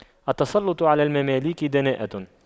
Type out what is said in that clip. التسلُّطُ على المماليك دناءة